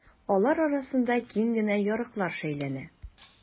Алар арасында киң генә ярыклар шәйләнә.